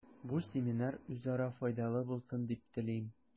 Бу семинар үзара файдалы булсын дип телим.